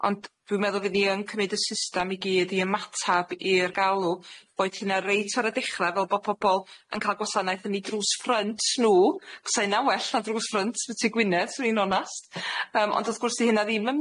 Ond dwi'n meddwl fydd 'i yn cymryd y system i gyd i ymatab i'r galw boed hynna reit ar y dechre fel bo' pobol yn ca'l gwasanaeth yn 'u drws ffrynt nw 'sa hynna well na drws ffrynt y tŷ Ggwynedd swn i'n onast yym ond wrth gwrs 'di hynna ddim yn mynd i siwtio pawb.